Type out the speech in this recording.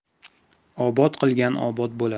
obod qilgan obod bo'lar